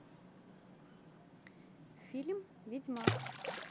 фильм ведьмак